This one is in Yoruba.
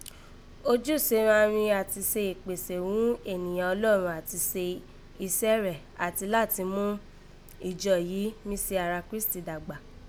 Ojúse ghan rin àti se ìkpèsè ghún ènìyàn Ọlọ́run àti se isẹ́ Rẹ̀ àti láti mú ìjọ yìí mí se ara Krístì dàgbà